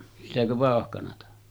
sitäkö vauhkanaa